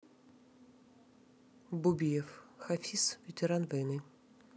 бубиев хафиз ветеран войны